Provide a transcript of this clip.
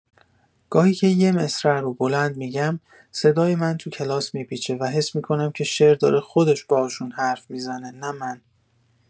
گاهی که یه مصرع رو بلند می‌گم، صدای من توی کلاس می‌پیچه و حس می‌کنم که شعر داره خودش باهاشون حرف می‌زنه، نه من.